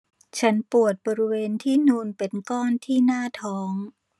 ฉันปวดบริเวณที่นูนเป็นก้อนที่หน้าท้อง